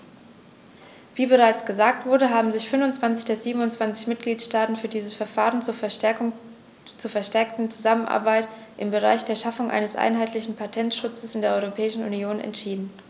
Wie bereits gesagt wurde, haben sich 25 der 27 Mitgliedstaaten für dieses Verfahren zur verstärkten Zusammenarbeit im Bereich der Schaffung eines einheitlichen Patentschutzes in der Europäischen Union entschieden.